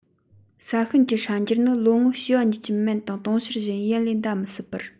ས ཤུན གྱི སྲ འགྱུར ནི ལོ ངོ བྱེ བ གཉིས ཀྱི མན དང དུང ཕྱུར བཞི ཡི ཡན ལས འདའ མི སྲིད པར